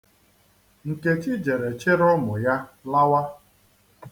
Nkechi jere chịrị ụmụ ya lawa.